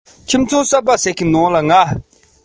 ང རང ཉིད ཀྱིས ཀྱང རང ཉིད ཀྱི